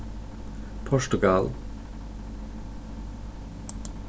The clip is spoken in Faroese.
portugal